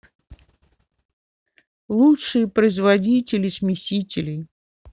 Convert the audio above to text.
лучшие производители смесителей